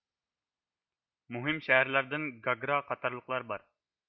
مۇھىم شەھەرلەردىن گاگرا قاتارلىقلار بار